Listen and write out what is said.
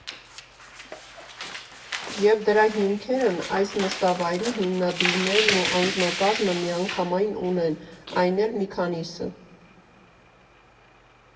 Եվ դրա հիմքերն այս նստավայրի հիմնադիրներն ու անձնակազմը միանգամայն ունեն, այն էլ մի քանիսը։